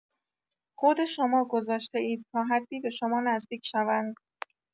خود شما گذاشته‌اید تا حدی به شما نزدیک شوند.